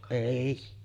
ei